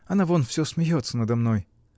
Она вон всё смеется надо мной!